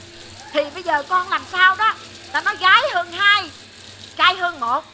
thì bây giờ con làm sao đó ta nói gái hơn hai trai hơn một